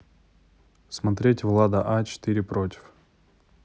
смотреть влада а четыре против